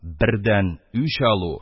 Бердән, үч алу,